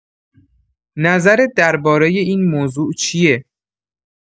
نظرت درباره این موضوع چیه؟